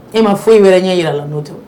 E ma foyi wɛrɛ ɲɛ yira la n'o tɛ wa